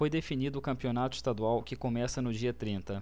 foi definido o campeonato estadual que começa no dia trinta